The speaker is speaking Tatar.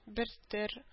Бертөр